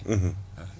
waa